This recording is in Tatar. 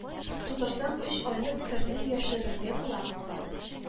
Тутырсаң, өч айлык керне яшерергә була